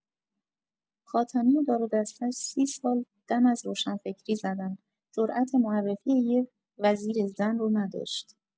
خاتمی و دار و دسته‌اش، ۳۰ سال دم از روشنفکری زدن جرات معرفی‌ی وزیر زن رو نداشت.